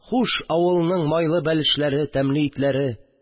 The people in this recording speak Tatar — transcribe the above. Хуш, авылның майлы бәлешләре, тәмле итләре